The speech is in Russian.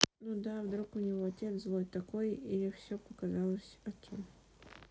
ну да а вдруг у него отец злой такой и или все показались отцом